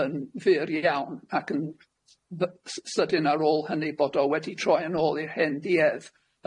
yn fyr iawn ac yn s- s- s- sydyn ar ôl hynny bod o wedi troi yn ôl i'r hen duedd,